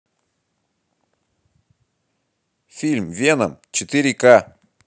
фильм веном четыре ка